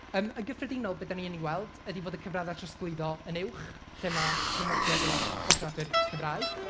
Yym yn gyffredinol be dan ni yn ei weld ydy fod y cyfraddau trosglwyddo yn uwch lle ma' crynodiad uwch o siaradwyr Cymraeg.